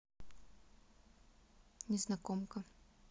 незнакомка